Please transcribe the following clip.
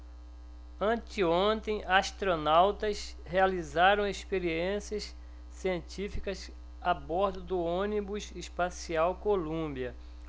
anteontem astronautas realizaram experiências científicas a bordo do ônibus espacial columbia